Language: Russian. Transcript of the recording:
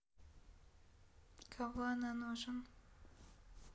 кого она нужен